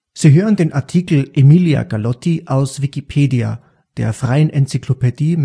Sie hören den Artikel Emilia Galotti, aus Wikipedia, der freien Enzyklopädie